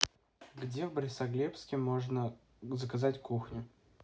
где в борисоглебске можно заказать кухню